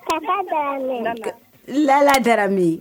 Tata Darame, Lala Darame